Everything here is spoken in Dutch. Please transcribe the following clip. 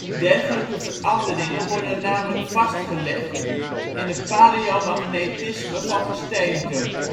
Dergelijke veranderingen worden namelijk vastgelegd in het paleomagnetisme van gesteenten